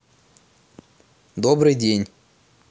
добрый день